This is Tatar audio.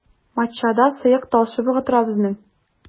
Матчада сыек талчыбыгы тора безнең.